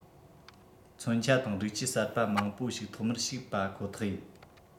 མཚོན ཆ དང སྒྲིག ཆས གསར པ མང པོ ཞིག ཐོག མར ཞུགས པ ཁོ ཐག ཡིན